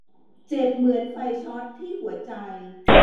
เจ็บเหมือนไฟช็อตที่หัวใจ